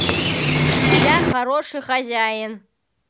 я хороший хозяин